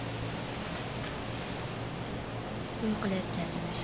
to'y qilayotgan emish